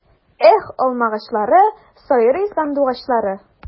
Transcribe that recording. Эх, алмагачлары, сайрый сандугачлары!